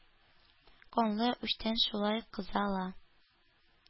Канлы үчтән шулай кыза ла!